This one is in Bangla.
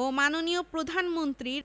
ও মাননীয় প্রধানমন্ত্রীর